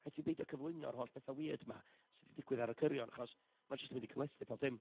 Rhaid ti beidio cyflwyno'r holl betha weird 'ma sy 'di digwydd ar y cyrion, achos ma' jyst yn mynd i cymhlethu pob dim.